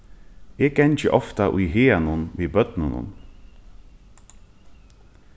eg gangi ofta í haganum við børnunum